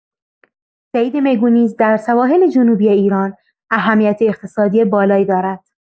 صید میگو نیز در سواحل جنوبی ایران اهمیت اقتصادی بالایی دارد.